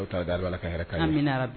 Dɔw